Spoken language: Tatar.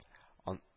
Ан